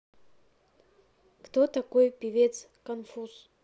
кто такой певец конфуз